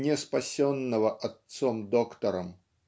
не спасенного отцом-доктором.